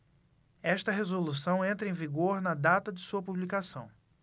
esta resolução entra em vigor na data de sua publicação